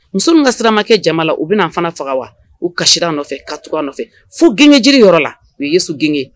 Muso ka siramakɛ jamana la u bɛna fana faga wa u kasira nɔfɛ ka cogoya nɔfɛ fo gɲɛ jiri yɔrɔ la u yesu g